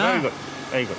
Na? Very good very good.